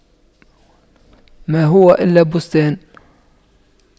ما هو إلا بستان